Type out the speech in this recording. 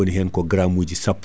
woni hen ko gramme uji sappo